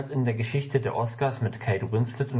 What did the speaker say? in der Geschichte der Oscars mit Kate Winslet